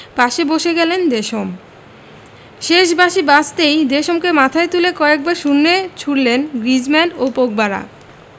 পাশে বসে গেলেন দেশম শেষ বাঁশি বাজতেই দেশমকে মাথায় তুলে কয়েকবার শূন্যে ছুড়লেন গ্রিজমান পগবারা